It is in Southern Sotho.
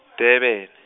Durban.